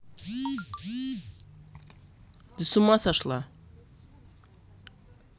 ты с ума сошла